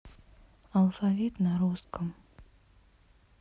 алфавит на русском